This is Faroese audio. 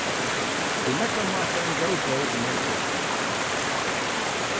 í nógvar mátar ein góð bók um nólsoyar páll